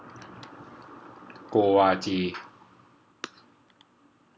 โกวาจี